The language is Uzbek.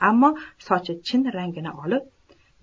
ammo sochi chin rangini olib